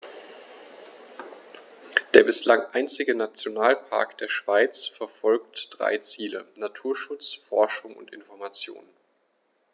Der bislang einzige Nationalpark der Schweiz verfolgt drei Ziele: Naturschutz, Forschung und Information.